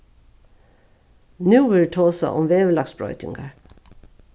nú verður tosað um veðurlagsbroytingar